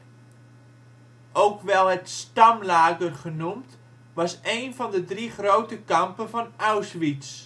ook wel het Stammlager genoemd, was één van de drie grote kampen van Auschwitz